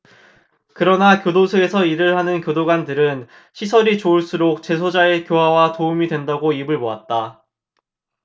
그러나 교도소에서 일을 하는 교도관들은 시설이 좋을수록 재소자들 교화에 도움이 된다고 입을 모았다